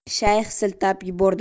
shayx siltab yubordi